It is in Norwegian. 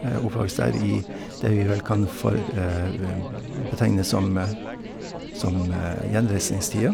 Er oppvokst der i det vi vel kan for betegne som som gjenreisningstida.